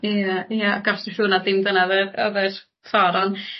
Ia ia ia ag os dwi siŵr na dim dyna fel ffor on